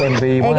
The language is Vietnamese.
em vi quá ha